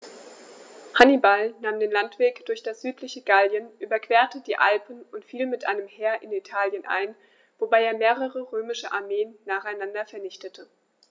Hannibal nahm den Landweg durch das südliche Gallien, überquerte die Alpen und fiel mit einem Heer in Italien ein, wobei er mehrere römische Armeen nacheinander vernichtete.